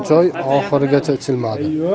choy oxirigacha ichilmadi